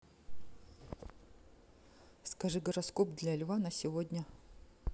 скажи гороскоп для льва на сегодня